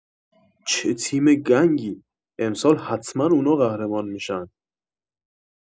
چه تیم گنگی امسال حتما اونا قهرمان می‌شن